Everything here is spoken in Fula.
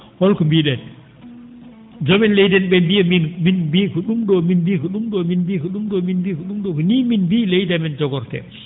holko mbii?en heen joomen leydi en ?e mbiya min min mbiyi ko ?um ?oo min mbiyi ko ?um ?oo min mbiyi ko ?um ?oo min mbiyi ko ?um ?oo ko nii min mbiyi leydi amen jogortee